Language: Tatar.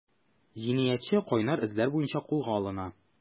Җинаятьче “кайнар эзләр” буенча кулга алына.